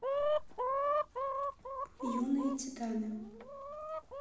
юные титаны